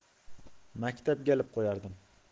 maktabga ilib qo'yardim